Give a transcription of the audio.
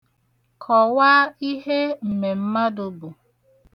Kowaa ihe mmemmadụ bụ.